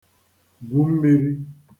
gwù mmīrī